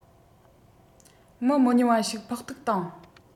མི མི ཉུང བ ཞིག ཕོག ཐུག བཏང